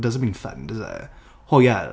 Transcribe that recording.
It doesn't mean fun, does it? Hwyl!